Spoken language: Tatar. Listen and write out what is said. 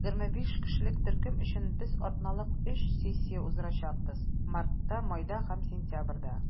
25 кешелек төркем өчен без атналык өч сессия уздырачакбыз - мартта, майда һәм сентябрьдә.